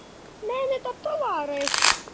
Менә таптылар эш!